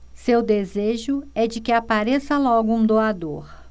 seu desejo é de que apareça logo um doador